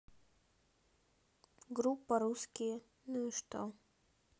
группа русские ну и что